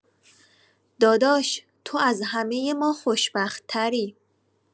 داداش تو از همه ما خوشبخت‌تری